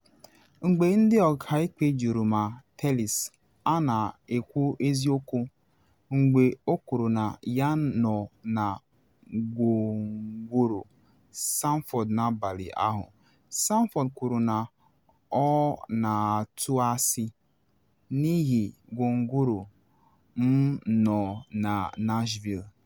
Mgbe ndị ọkaikpe jụrụ ma Tellis a na ekwu eziokwu mgbe o kwuru na ya nọ na gwongworo Sanford n’abalị ahụ, Sanford kwuru na ọ na atụ “asị, n’ihi gwongoro m nọ na Nashville.”